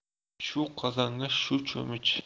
shu qozonga shu cho'mich